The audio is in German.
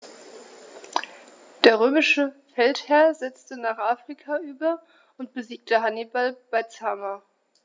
Der römische Feldherr setzte nach Afrika über und besiegte Hannibal bei Zama.